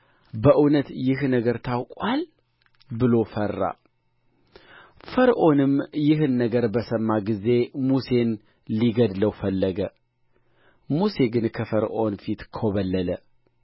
በእውነት ይህ ነገር ታውቆአል ብሎ ፈራ ፈርዖንም ይህን ነገር በሰማ ጊዜ ሙሴን ሊገድለው ፈለገ ሙሴ ግን ከፈርዖን ፊት ኰበለለ